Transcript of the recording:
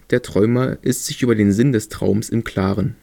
Der Träumer ist sich über den Sinn des Traums im Klaren